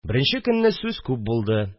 Беренче көнне сүз күп булды